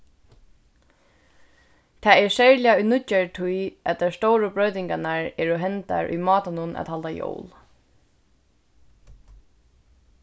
tað er serliga í nýggjari tíð at tær stóru broytingarnar eru hendar í mátanum at halda jól